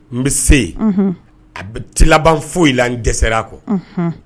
N be se unhun a be ti laban foyi la n dɛsɛra kɔ unhnun